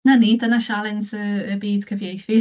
'Na ni, dyna sialens y y byd cyfieithu.